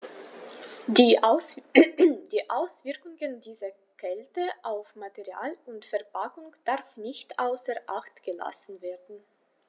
Die Auswirkungen dieser Kälte auf Material und Verpackung darf nicht außer acht gelassen werden.